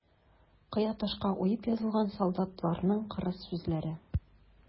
Кыя ташка уеп язылган солдатларның кырыс сүзләре.